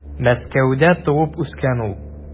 Мәскәүдә туып үскән ул.